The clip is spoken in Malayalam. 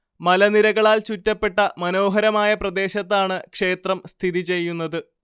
മലനിരകളാൽ ചുറ്റപ്പെട്ട മനോഹരമായ പ്രദേശത്താണ് ക്ഷേത്രം സ്ഥിതി ചെയ്യുന്നത്